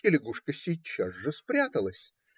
И лягушка сейчас же спряталась.